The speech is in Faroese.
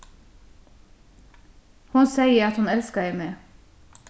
hon segði at hon elskaði meg